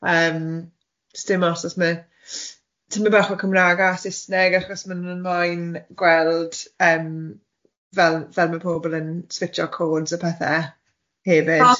Yym st' dim os os ma' timyn bach o Cymrag a Saesneg achos ma' nhw'n moyn gweld yym fel fel ma' pobl yn switsio codes a pethe hefyd.